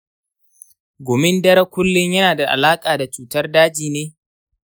gumin dare kullum yana da alaƙa da cutar daji ne?